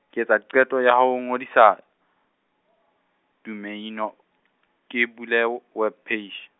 ke etsa qeto ya ho ngodisa, domeine , ke bule o web page.